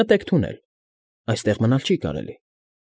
Մտեք թունել։ Այստեղ մնալ չի կարելի։